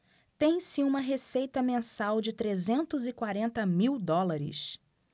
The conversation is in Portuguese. tem-se uma receita mensal de trezentos e quarenta mil dólares